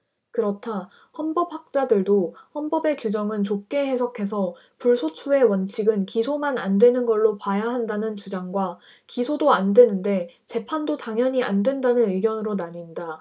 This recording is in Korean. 그렇다 헌법학자들도 헌법의 규정은 좁게 해석해서 불소추의 원칙은 기소만 안 되는 걸로 봐야 한다는 주장과 기소도 안 되는 데 재판도 당연히 안 된다는 의견으로 나뉜다